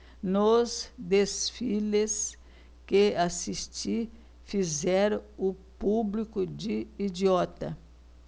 nos desfiles que assisti fizeram o público de idiota